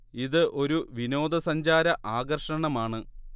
ഇത് ഒരു വിനോദ സഞ്ചാര ആകർഷണമാണ്